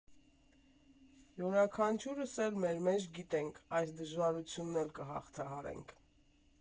Յուրաքանչյուրս էլ մեր մեջ գիտենք՝ այս դժվարությունն էլ կհաղթահարենք։